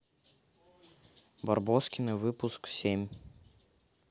барбоскины выпуск семь